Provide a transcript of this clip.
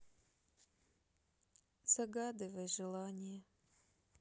загадывал желание